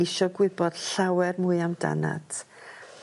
isio gwybod llawer mwy amdanat